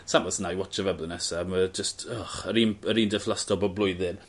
sa'n 'bo' os ŵnai watsio fe blwyddyn nesaf mae o jyst yr un yr un diflastod bob blwyddyn.